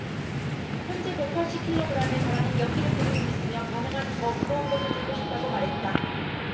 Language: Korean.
현재 백 팔십 킬로그람에 달하는 역기를 들 수 있으며 가능한 더 무거운 것을 들고 싶다고 말했다